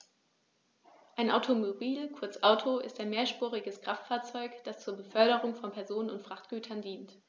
Ein Automobil, kurz Auto, ist ein mehrspuriges Kraftfahrzeug, das zur Beförderung von Personen und Frachtgütern dient.